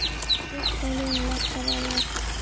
kep qoling laqqa baliq